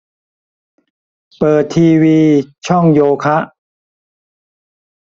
เปิดทีวีช่องโยคะ